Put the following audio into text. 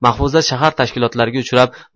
mahfuza shahar tashkilotlariga uchrashib